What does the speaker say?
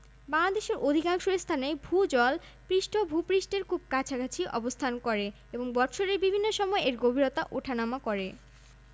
বাংলাদেশের অধিকাংশ স্থানেই ভূ জল পৃষ্ঠ ভূ পৃষ্ঠের খুব কাছাকাছি অবস্থান করে এবং বৎসরের বিভিন্ন সময় এর গভীরতা উঠানামা করে